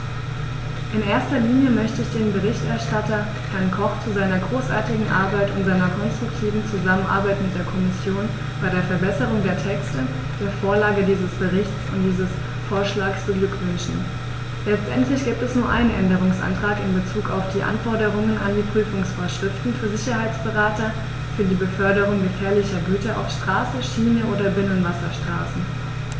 In erster Linie möchte ich den Berichterstatter, Herrn Koch, zu seiner großartigen Arbeit und seiner konstruktiven Zusammenarbeit mit der Kommission bei der Verbesserung der Texte, der Vorlage dieses Berichts und dieses Vorschlags beglückwünschen; letztendlich gibt es nur einen Änderungsantrag in bezug auf die Anforderungen an die Prüfungsvorschriften für Sicherheitsberater für die Beförderung gefährlicher Güter auf Straße, Schiene oder Binnenwasserstraßen.